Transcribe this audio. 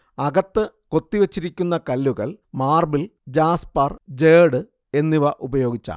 അകത്ത് കൊത്തി വച്ചിരിക്കുന്ന കല്ലുകൾ മാർബിൾ ജാസ്പർ ജേഡ് എന്നിവ ഉപയോഗിച്ചാണ്